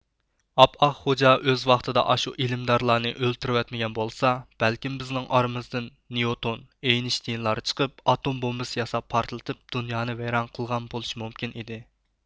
ئاپئاق غوجا ئۆز ۋاقتىدا ئاشۇ ئىلىمدارلارنى ئۆلتۈرىۋەتمىگەن بولسا بەلكىم بىزنىڭ ئارىمىزدىن نىيوتون ئېينىشتىيىنلار چىقىپ ئاتوم بومبىسى ياساپ پارتلىتىپ دۇنيانى ۋەيران قىلغان بولۇشى مۇمكىن ئىدى